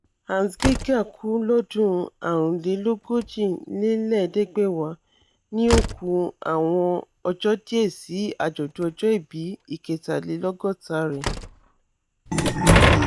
Hans'' Gieger kú lọ́dún 1945, ni ó kù àwọn ọjọ́ díẹ̀ sí àjọ̀dún ojọ́-ìbí ìkẹtàlélọ́gọ́ta rẹ̀.